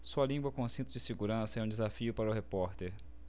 sua língua com cinto de segurança é um desafio para o repórter